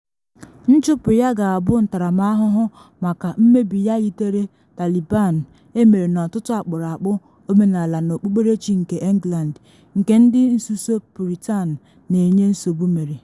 Nchụpụ ya ga-abụ ntaramahụhụ maka mmebi ya yitere Taliban emere n’ọtụtụ akpụrụakpụ omenala na okpukperechi nke England, nke ndị nsuso Puritan na enye nsogbu mere.